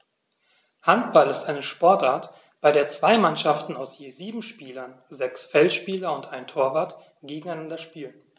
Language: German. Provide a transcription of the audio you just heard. Handball ist eine Sportart, bei der zwei Mannschaften aus je sieben Spielern (sechs Feldspieler und ein Torwart) gegeneinander spielen.